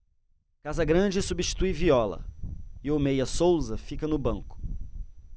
casagrande substitui viola e o meia souza fica no banco